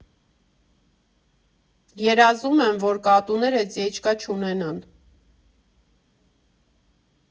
Երազում եմ, որ կատուները ծեչկա չունենան։